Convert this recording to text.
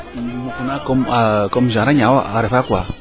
maitenant comme :far genre a ñaaw a refa quoi